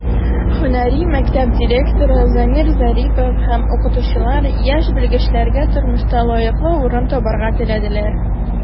Һөнәри мәктәп директоры Замир Зарипов һәм укытучылар яшь белгечләргә тормышта лаеклы урын табарга теләделәр.